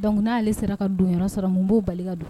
dɔnku n'ale sera ka donyɔrɔ sɔrɔ mun b'o bali don